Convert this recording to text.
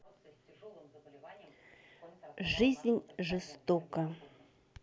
жизнь жестока